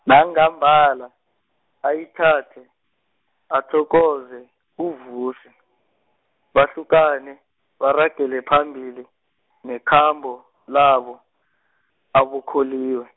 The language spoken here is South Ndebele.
nangambala, ayithathe, athokoze kuVusi, bahlukane baragele phambili, nekhambo labo, aboKholiwe.